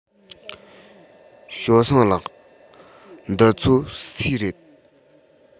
ཞའོ སུང ལགས འདི ཚོ སུའི རེད